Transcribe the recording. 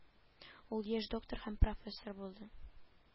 Ул яшь доктор һәм профессор булды